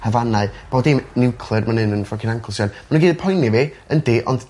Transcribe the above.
hafanau odd dim niwclear myn 'yn yn ffycin Anglesey a ma' n'w gyd yn poeni fi yndi ond